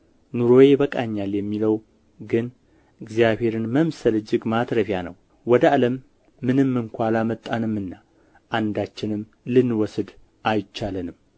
ኑሮዬ ይበቃኛል ለሚለው ግን እግዚአብሔርን መምሰል እጅግ ማትረፊያ ነው ወደ ዓለም ምንም እንኳ አላመጣንምና አንዳችንም ልንወስድ አይቻለንም